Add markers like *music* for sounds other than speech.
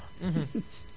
*hesitation* *hesitation*